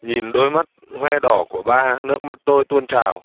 nhìn đôi mắt hoe đỏ của ba nước mắt tôi tuôn trào